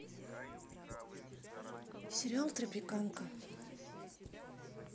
сериал тропиканка